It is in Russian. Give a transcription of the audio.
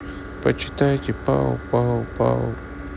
почитайте пау пау пау